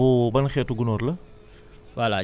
boobu ban xeetu gunóor la